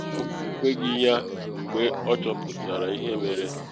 Okwu ekweghị ya mgbe ọ chọpụtara ihe mere.